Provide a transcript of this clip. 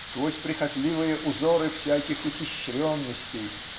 Сквозь прихотливые узоры всяких ухищренностей